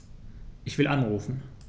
Ich will anrufen.